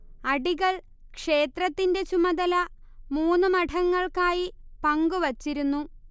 അടികൾ ക്ഷേത്രത്തിൻറെ ചുമതല മൂന്ന് മഠങ്ങൾക്കായി പങ്കുവച്ചിരുന്നു